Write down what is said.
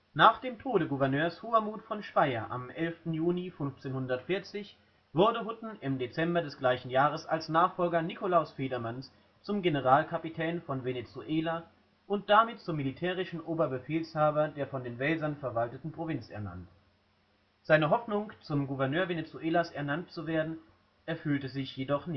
Nach dem Tod Gouverneurs Hohermuth von Speyer am 11. Juni 1540 wurde Hutten im Dezember des gleichen Jahres als Nachfolger Nikolaus Federmanns zum Generalkapitän von Venezuela und damit zum militärischen Oberbefehlshaber der von den Welsern verwalteten Provinz ernannt. Seine Hoffnung, zum Gouverneur Venezuelas ernannt zu werden, erfüllte sich jedoch